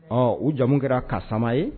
Ɔ u jamu kɛra kasama ye